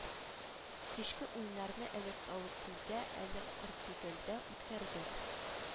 Кичке уеннарны әле таллыкүлдә әле кыртүтәлдә үткәрдек